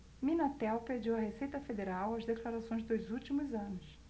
minatel pediu à receita federal as declarações dos últimos anos